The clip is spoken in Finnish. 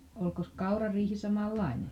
olikos kaurariihi samanlainen